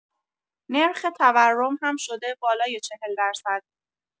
نرخ تورم هم شده بالای ۴۰ درصد.